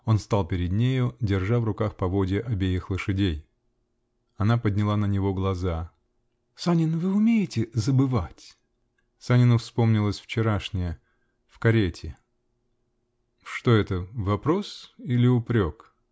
Он стал перед нею, держа в руках поводья обеих лошадей. Она подняла на него глаза. -- Санин, вы умеете забывать? Санину вспомнилось вчерашнее. в карете. -- Что это -- вопрос. или упрек?